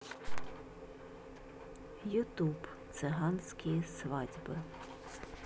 ютуб цыганские свадьбы